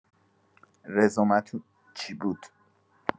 رزومتون چی بود؟